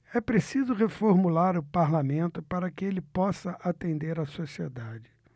é preciso reformular o parlamento para que ele possa atender a sociedade